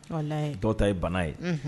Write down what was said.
Ye dɔw ta ye bana ye